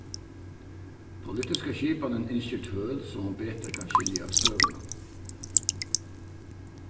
politiska skipanin ynskir tøl so hon betur kann skilja støðuna